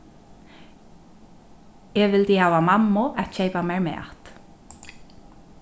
eg vildi hava mammu at keypa mær mat